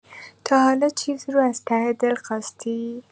تا حالا چیزی رو از ته دل خواستی؟